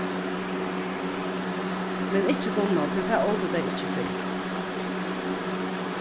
men ikki dunna tí tað ótu tey ikki fyrr